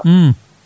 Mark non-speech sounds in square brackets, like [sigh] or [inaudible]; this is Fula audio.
[smacks lips]